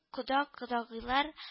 Кода-кодагыйлар